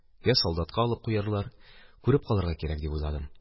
Йә солдатка алып куярлар, күреп калырга кирәк, дип уйладым.